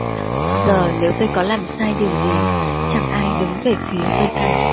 giờ nếu tôi có làm sai điều gì chẳng ai đứng về phía tôi cả